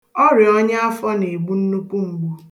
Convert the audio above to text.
Ọria ọnyaafọ na-egbu nnukwu mgbu